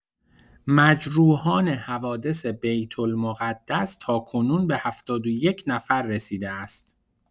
مجروحان حوادث بیت‌المقدس تاکنون به ۷۱ نفر رسیده است.